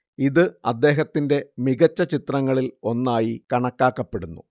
ഇതു അദ്ദേഹത്തിന്റെ മികച്ച ചിത്രങ്ങളിൽ ഒന്നായി കണക്കാക്കപ്പെടുന്നു